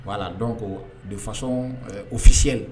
wala donc de façon officielle